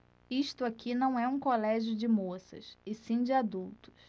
isto aqui não é um colégio de moças e sim de adultos